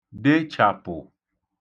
dechàpụ̀